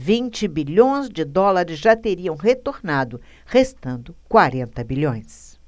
vinte bilhões de dólares já teriam retornado restando quarenta bilhões